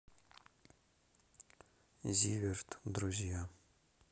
зиверт друзья